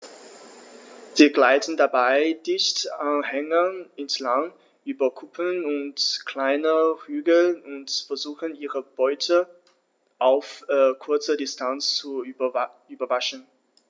Sie gleiten dabei dicht an Hängen entlang, über Kuppen und kleine Hügel und versuchen ihre Beute auf kurze Distanz zu überraschen.